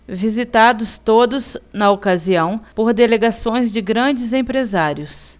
visitados todos na ocasião por delegações de grandes empresários